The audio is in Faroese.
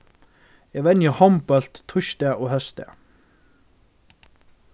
eg venji hondbólt týsdag og hósdag